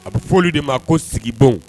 A bɛ foli de ma ko sigibon